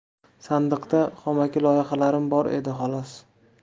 sandiqda xomaki loyihalarim bor edi xolos